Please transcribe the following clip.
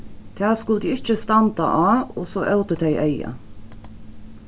tað skuldi ikki standa á og so ótu tey eygað